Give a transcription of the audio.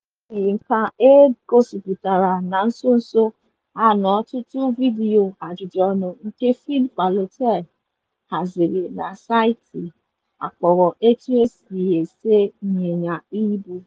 Boukary ka e gosipụtara na nsonso a n'ọtụtụ vidiyo ajụjụọnụ nke Phil Paoletta haziri na saịtị akpọrọ 'Etu esi Ese Ịnyịnya Ibu'.